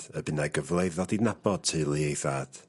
...y bu 'na gyfle i ddod i teulu ei thad.